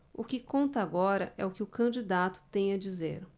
o que conta agora é o que o candidato tem a dizer